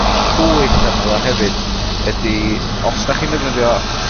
llwyth arno fo hefyd ydy os 'dach chi'n ddefnyddio